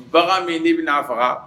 Bagan min n'i bɛna'a faga